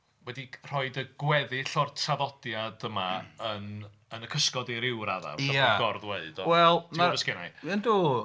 ..wedi rhoi y gweddill o'r traddodiad yma yn... yn y cysgod i rhyw radda'... Ia... Mae o'n gor-ddweud ond... Wel... Ti'n gwybod be s'genna i... Yndw.